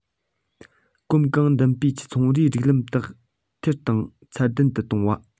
གོམ གང མདུན སྤོས ཀྱིས ཚོང རའི སྒྲིག ལམ དག ཐེར དང ཚད ལྡན དུ གཏོང བ